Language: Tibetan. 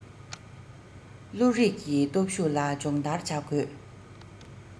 བློ རིག གི སྟོབས ཤུགས ལ སྦྱོང བརྡར བྱ དགོས